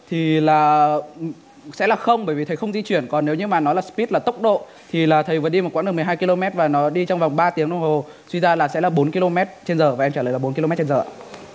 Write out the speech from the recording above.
thì là sẽ là không bởi vì thầy không di chuyển còn nếu như mà nó là sờ pít là tốc độ thì là thầy đi một quãng đường mười hai ki lô mét và nó đi trong vòng ba tiếng đồng hồ truy ra là sẽ là bốn ki lô mét trên giờ và trả lời là bốn ki lô mét trên giờ